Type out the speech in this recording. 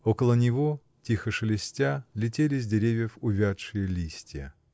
Около него, тихо шелестя, летели с деревьев увядшие листья.